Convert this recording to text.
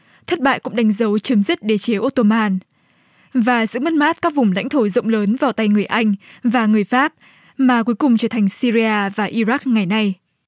thất bại cũng đánh dấu chấm dứt đế chế ốt tô man và sự mất mát các vùng lãnh thổ rộng lớn vào tay người anh và người pháp mà cuối cùng trở thành sia ri a và i rắc ngày nay